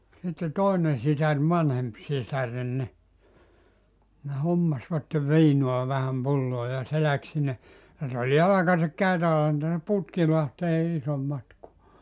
sitten toinen sisar vanhempi sisareni niin ne hommasivat viinaa vähän pulloon ja se lähti sinne sitten oli jalkaisin käytävä onhan tästä Putkilahteen ison matkaa